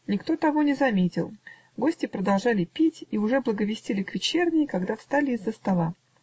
Никто того не заметил, гости продолжали пить, и уже благовестили к вечерне, когда встали из-за стола.